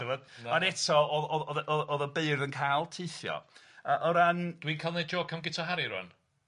Ond eto oedd oedd oedd oedd oedd oedd y beirdd yn cael teuthio yyn o ran... Dwi'n ca'l neud joc am Guto Harri rŵan?...